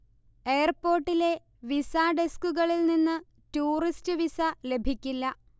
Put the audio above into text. എയർപോര്ട്ടിലെ visa ഡെസ്കുകളില്നിന്ന് tourist visa ലഭിക്കില്ല